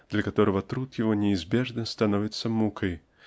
для которого труд его неизбежно становится мукой